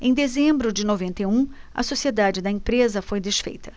em dezembro de noventa e um a sociedade da empresa foi desfeita